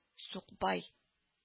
Сукбай